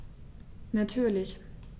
Natürlich.